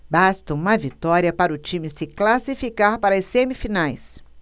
basta uma vitória para o time se classificar para as semifinais